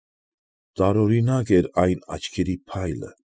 Տարօրինակ էր այն աչքերի փայլը։